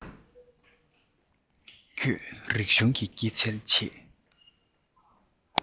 ཁྱོད རིག གཞུང གི སྐྱེད ཚལ ཆེད